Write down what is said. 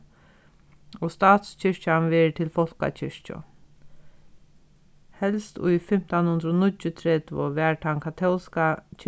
og statskirkjan verður til fólkakirkju helst í fimtan hundrað og níggjuogtretivu varð tann katólska